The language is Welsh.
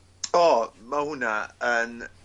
O ma' hwnna yn